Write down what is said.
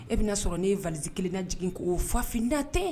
E bɛna sɔrɔ ne ye valise 1 lajigin k'o fa fini na tɛ.